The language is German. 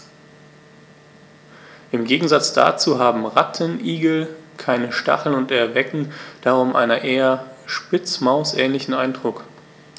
Im Gegensatz dazu haben Rattenigel keine Stacheln und erwecken darum einen eher Spitzmaus-ähnlichen Eindruck.